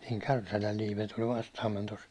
niin Kärsälän Liipe tuli vastaamme tuossa